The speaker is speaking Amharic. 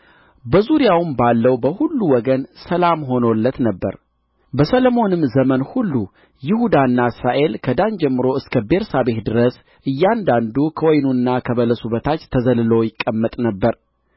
በዙሪያውም ባለው በሁሉ ወገን ሰላም ሆኖለት ነበር በሰሎሞንም ዘመን ሁሉ ይሁዳና እስራኤል ከዳን ጀምሮ እስከ ቤርሳቤህ ድረስ እያንዳንዱ ከወይኑና ከበለሱ በታች ተዘልሎ ይቀመጥ ነበር